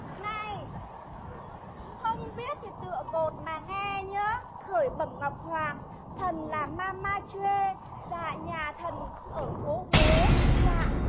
này không biết thì tựa cột mà nghe nhớ khởi bẩm ngọc hoàng thần là ma ma chuê dạ nhà thần ở phố huế dạ